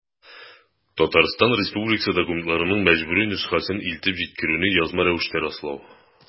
Татарстан Республикасы документларының мәҗбүри нөсхәсен илтеп җиткерүне язма рәвештә раслау.